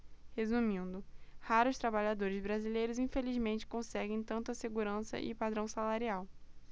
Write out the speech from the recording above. resumindo raros trabalhadores brasileiros infelizmente conseguem tanta segurança e padrão salarial